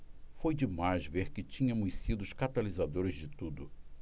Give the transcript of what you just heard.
foi demais ver que tínhamos sido os catalisadores de tudo